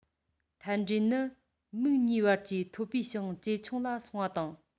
མཐར འབྲས ནི མིག གཉིས བར གྱི ཐོད པའི ཞེང ཇེ ཆུང ལ སོང བ དང